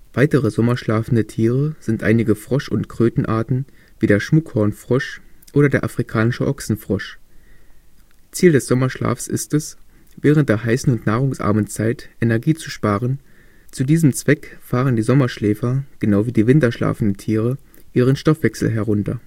Weitere sommerschlafende Tiere sind einige Frosch - und Krötenarten wie der Schmuckhornfrosch (Ceratophrys ornata) oder der Afrikanische Ochsenfrosch (Pyxicephalus adspersus). Ziel des Sommerschlafs ist es, während der heißen und nahrungsarmen Zeit Energie zu sparen; zu diesem Zweck fahren die Sommerschläfer, genau wie die winterschlafenen Tiere, ihren Stoffwechsel herunter